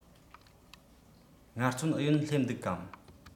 ངལ རྩོལ ཨུ ཡོན སླེབས འདུག གམ